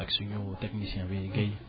ak suñu technicien bi Guèye